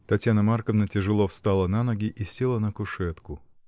Татьяна Марковна тяжело встала на ноги и села на кушетку.